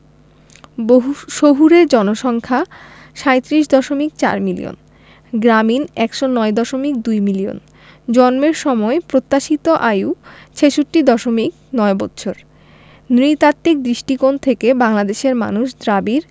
শহুরে জনসংখ্যা ৩৭দশমিক ৪ মিলিয়ন গ্রামীণ ১০৯দশমিক ২ মিলিয়ন জন্মের সময় প্রত্যাশিত আয়ু ৬৬দশমিক ৯ বৎসর নৃতাত্ত্বিক দৃষ্টিকোণ থেকে বাংলাদেশের মানুষ দ্রাবিড়